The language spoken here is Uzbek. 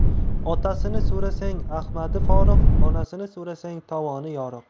otasini so'rasang ahmadi forig' onasini so'rasang tovoni yoriq